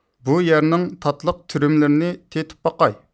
بۇ يەرنىڭ تاتلىق تۈرۈملىرىنى تېتىپ باقاي